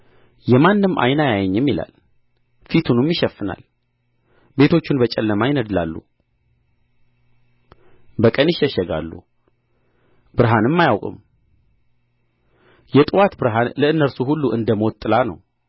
የማንም ዓይን አያየኝም ይላል ፊቱንም ይሸፍናል ቤቶቹን በጨለማ ይነድላሉ በቀን ይሸሸጋሉ ብርሃንም አያውቁም የጥዋት ብርሃን ለእነርሱ ሁሉ እንደ ሞት ጥላ ነው